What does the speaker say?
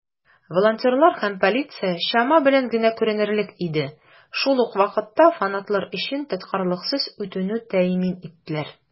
Волонтерлар һәм полиция чама белән генә күренерлек иде, шул ук вакытта фанатлар өчен тоткарлыксыз үтүне тәэмин иттеләр.